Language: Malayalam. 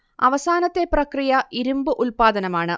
അവസാനത്തെ പ്രക്രിയ ഇരുമ്പ് ഉല്പാദനമാണ്